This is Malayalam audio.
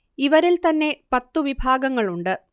ഇവരിൽ തന്നെ പത്തു വിഭാഗങ്ങൾ ഉണ്ട്